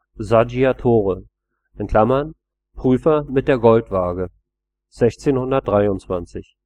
Saggiatore (Prüfer mit der Goldwaage), 1623